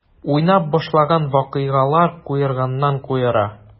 Уйнап башланган вакыйгалар куерганнан-куера.